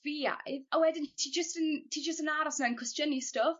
ffiaidd a wedyn ti jyst yn ti jyst yn aros 'na'n cwestiynu stwff